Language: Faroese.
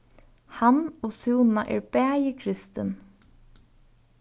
hann og súna eru bæði kristin